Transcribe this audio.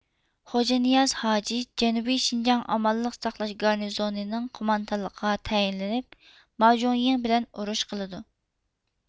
خوج انىياز ھاجى جەنۇبىي شىنجاڭ ئامانلىق ساقلاش گارنىزونىنىڭ قوماندانلىقىغا تەيىنلىنىپ ما جۇڭيىڭ بىلەن ئۇرۇش قىلىدۇ